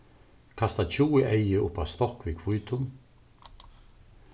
kasta tjúgu eygu uppá stokk við hvítum